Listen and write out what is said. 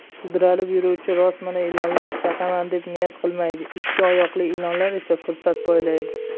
sudralib yuruvchi rosmana ilonlar chaqaman deb niyat qilmaydi ikki oyoqli ilonlar esa fursat poylaydi